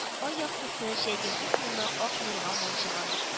Ай яктысы җәйге кухняны ак нурга манчыган